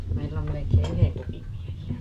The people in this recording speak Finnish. me olemmekin yhden kupin miehiä